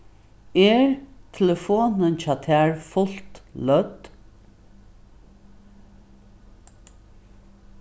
er telefonin hjá tær fult lødd